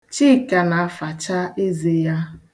Chika na-afacha eze ya.